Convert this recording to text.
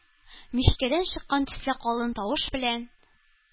Мичкәдән чыккан төсле калын тавыш белән: